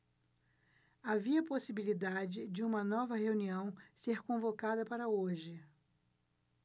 havia possibilidade de uma nova reunião ser convocada para hoje